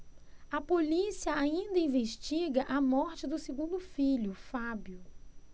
a polícia ainda investiga a morte do segundo filho fábio